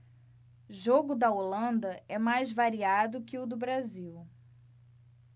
jogo da holanda é mais variado que o do brasil